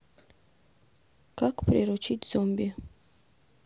как приручить зомби